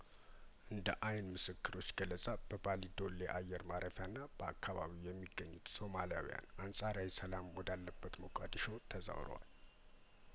እንደ አይንምስክሮች ገለጻ በባሊዶሌ አየር ማረፊያና በአካባቢው የሚገኙት ሶማሊያውያን አንጻራዊ ሰላም ወዳለባት ሞቃዲሾ ተዛውረዋል